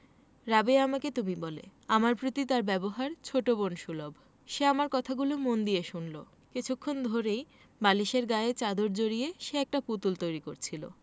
রাবেয়া আমাকে তুমি বলে আমার প্রতি তার ব্যবহার ছোট বোন সুলভ সে আমার কথা মন দিয়ে শুনলো কিছুক্ষণ ধরেই বালিশের গায়ে চাদর জড়িয়ে সে একটা পুতুল তৈরি করছিলো